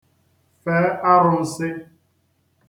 fe arụnsị